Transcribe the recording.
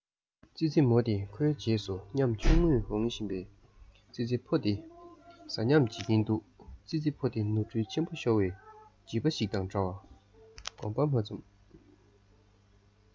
ཙི ཙི མོ དེས ཁོའི རྗེས སུ ཉམ ཆུང ངུས འོང བཞིན པའི ཙི ཙི ཕོ དེ ཟ སྙམ བྱེད ཀྱིན འདུག ཙི ཙི ཕོ དེ ནོར འཁྲུལ ཆེན པོ ཤོར བའི བྱིས པ ཞིག དང འདྲ བར དགོངས པ མ ཚོམས